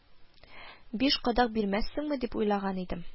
– биш кадак бирмәссеңме дип уйлаган идем